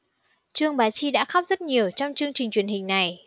trương bá chi đã khóc rất nhiều trong chương trình truyền hình này